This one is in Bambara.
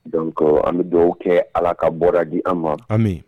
Don an bɛ dɔw kɛ ala ka bɔra di an ma amimi